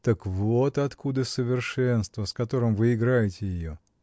— Так вот откуда совершенство, с которым вы играете ее.